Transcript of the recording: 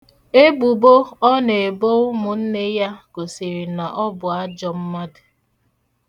Ebubo ọ na-ebo umunne ya gosiri na ọ bụ ajọ mmadụ.